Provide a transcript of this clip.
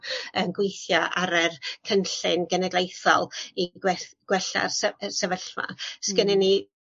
yn gweithio ar y cynllun genedlaethol i gwell- gwella'r sy- yy sefyllfa. Hmm. Sgennyn ni